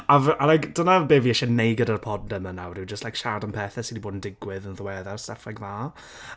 A f-like dyna be fi isie wneud gyda'r pod yma nawr yw Just like siarad am pethau sy' 'di bod yn digwydd yn ddiweddar stuff like that.